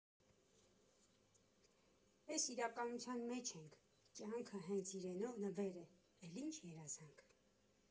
Էս իրականության մեջ ենք, կյանքը հենց իրենով նվեր է, էլ ի՞նչ երազանք։